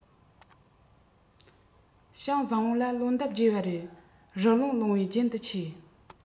ཤིང བཟང པོ ལ ལོ འདབ རྒྱས པ དེ རི ཀླུང ལུང པའི རྒྱན དུ ཆེ